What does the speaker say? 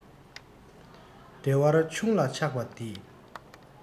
བདེ བ ཆུང ལ ཆགས པ དེས